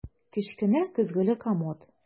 Кечкенә көзгеле комод.